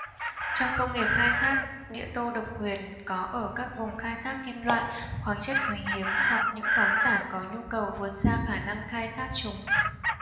trong công nghiệp khai thác địa tô độc quyền có ở các vùng khai thác các kim loại khoáng chất quý hiếm hoặc những khoáng sản có nhu cầu vượt xa khả năng khai thác chúng